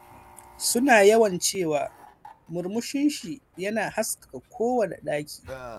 Su na yawan cewa murmushin shi yana haskaka kowane daki.